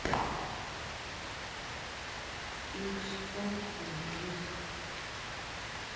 икс о на английском